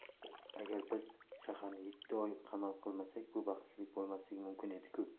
agar biz shaharni yetti oy qamal qilmasak bu baxtsizlik bo'lmasligi mumkin edi ku